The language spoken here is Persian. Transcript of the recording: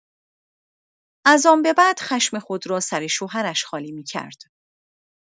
از آن به بعد خشم خود را سر شوهرش خالی می‌کرد.